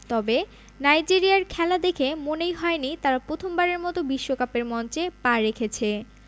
তবে নাইজেরিয়ার খেলা দেখে মনেই হয়নি তারা প্রথমবারের মতো বিশ্বকাপের মঞ্চে পা রেখেছে